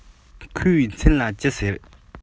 ཁོའི མཚན ལ ཅི ཟེར